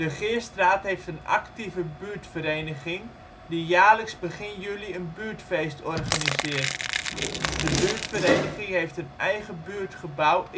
Geerstraat heeft een actieve buurtvereniging, die jaarlijks begin juli een buurtfeest organiseert. De buurtvereniging heeft een eigen buurtgebouw